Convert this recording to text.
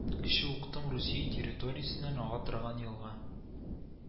Кече Уктым Русия территориясеннән ага торган елга